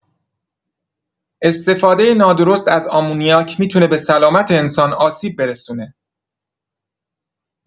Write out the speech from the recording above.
استفاده نادرست از آمونیاک می‌تونه به سلامت انسان آسیب برسونه.